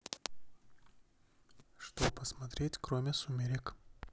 что посмотреть кроме сумерек